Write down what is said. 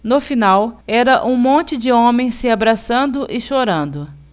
no final era um monte de homens se abraçando e chorando